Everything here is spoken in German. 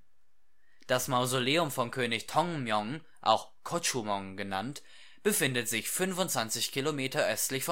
Das Mausoleum von König Tongmyŏng (auch Kochumong genannt) befindet sich 25 km östlich